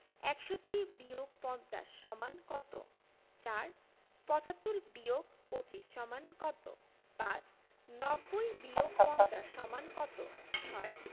৬১-৫০ = কত ৪ ৭৫-২৫ = কত ৫ ৯০-৫০ = কত ৬